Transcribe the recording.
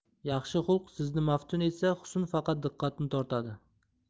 yaxshi xulq sizni maftun etsa husn faqat diqqatni tortadi